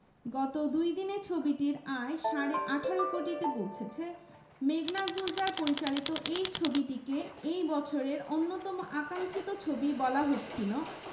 গত দুই দিনে ছবিটির আয় সাড়ে ১৮ কোটিতে পৌঁছেছে মেঘনা গুলজার পরিচালিত এই ছবিটিকে এই বছরের অন্যতম আকাঙ্খিত ছবি বলা হচ্ছিল